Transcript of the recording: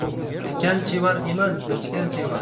tikkan chevar emas bichgan chevar